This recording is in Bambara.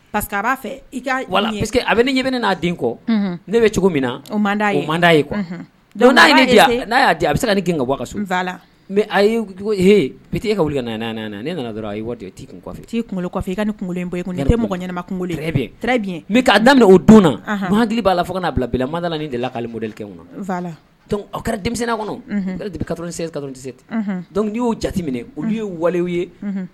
Pa b'a fɛ a bɛ ne ɲamina n'a den kɔ ne bɛ cogo min na d'a y'a di a bɛ se ka g waka mɛ a pte e ka wili nana ne nana dɔrɔn t'ifi i t'i kunkolofi i ka ni kunkolo bɔ tɛ mɔgɔ ɲɛnama'a daminɛ o donnana muha hakilidu b'a la fo n'a bila manda ni deli k'ale mɔlikɛ kɔnɔ kɛra denmisɛn kɔnɔbi kaka tɛse ten dɔnkuc y'o jateminɛ olu ye waliw ye